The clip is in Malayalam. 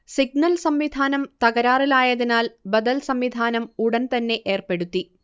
സിഗ്നൽ സംവിധാനം തകരാറിലായതിനാൽ ബദൽ സംവിധാനം ഉടൻ തന്നെ ഏർപ്പെടുത്തി